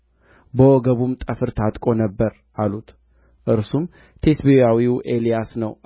ስለዚህ ትሞታለህ እንጂ ከወጣህበት አልጋ አትወርድም በሉት አለን አሉት እርሱም ሊገናኛችሁ የወጣው